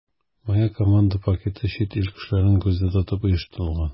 “моя команда” пакеты чит ил кешеләрен күздә тотып оештырылган.